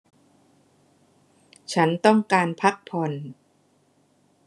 ฉันต้องการพักผ่อน